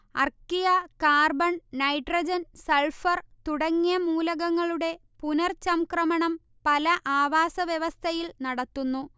archaea, carbon, nitrogen, sulphur തുടങ്ങിയ മൂലകങ്ങളുടെ പുനർചംക്രമണം പല ആവാസവ്യവസ്ഥയിൽ നടത്തുന്നു